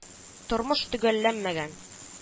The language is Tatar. Тормыш төгәлләнмәгән